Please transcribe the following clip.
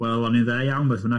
Wel, o'n i'n dda iawn beth bynnag.